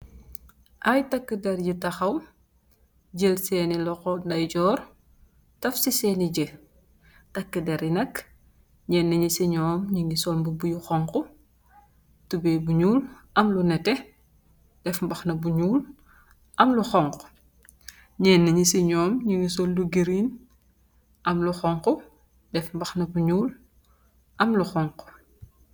Aye taxideer yu takhaw jel sen luxho ndeye jorr tafsi senih jeh takideer yi nak nyeni si nyum nyungi sul mbobu bu xhong khu tubeye bu nyul am lu neteh daf mbakhana bu nyul am lu xong khu nyeni si nyum nyungi sul lu green al lu xong khu daf mbakhana bu nyul am lu xong khu